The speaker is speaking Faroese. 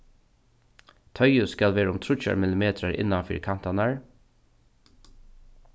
toyið skal vera um tríggjar millimetrar innan fyri kantarnar